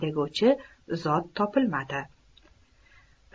deguvchi zot topilmadi